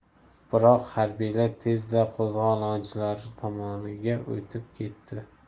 biroq harbiylar tezda qo'zg'olonchilar tomoniga o'tib ketdi